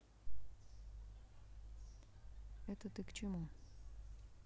это ты к чему